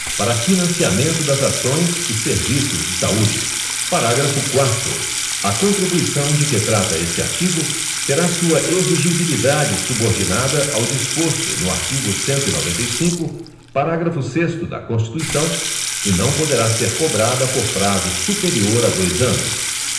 para financiamento das ações e serviços de saúde parágrafo quarto a contribuição de que trata este artigo terá sua exigibilidade subordinada ao disposto no artigo cento e noventa e cinco parágrafo sexto da constituição e não poderá ser cobrada por prazo superior a dois anos